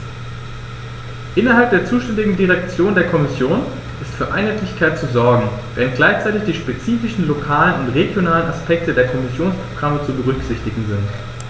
Innerhalb der zuständigen Direktion der Kommission ist für Einheitlichkeit zu sorgen, während gleichzeitig die spezifischen lokalen und regionalen Aspekte der Kommissionsprogramme zu berücksichtigen sind.